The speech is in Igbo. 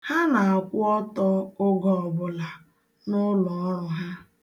Ha na-akwụ ọtọ oge ọbụla n'ụlọọrụ ha.